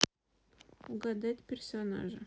угадать персонажа